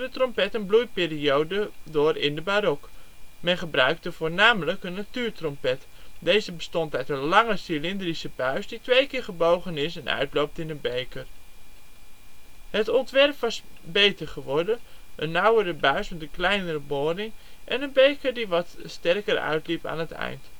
trompet een bloeiperiode door in de barok. Men gebruikte voornamelijk een natuurtrompet. Deze bestond uit een lange cylindrische buis die twee keer gebogen is en uitloopt in een beker. Het ontwerp was beter geworden, een nauwere buis (kleinere boring) en een beker die wat sterker uitliep aan het eind